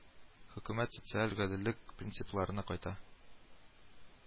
Хөкүмәт социаль гаделлек принципларына кайта